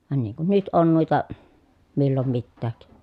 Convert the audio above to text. vaan niin kuin nyt on noita milloin mitäkin